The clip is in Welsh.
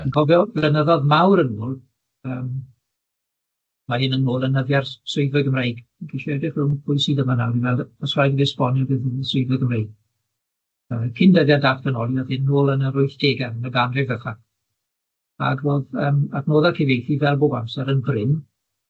Dwi'n cofio blynyddoedd mawr yn ôl yym ma' hyn yn ôl yn nyddie'r s- swyddfa Gymreig, wi'n ceisio edrych rownd pwy sydd yma nawr dwi'n meddwl os raid i mi esbonio beth ydi swyddfa Gymreig? Cyn dyddie datganoli o'dd hyn yn ôl yn yr wythdege yn y ganrif ddwetha ag ro'dd yym adnodde cyfieithu fel bob amser yn brin.